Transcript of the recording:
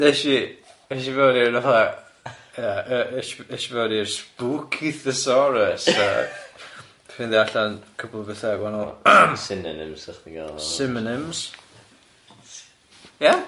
Nes i es i fewn i'r fatha ia es i es i fewn i'r spooky thesaurus a ffeindio allan cwpwl o betha gwahanol... Synonyms sa chdi'n galw... synonyms ia?